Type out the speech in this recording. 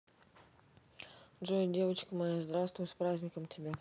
джой девочка моя здравствуй с праздником тебя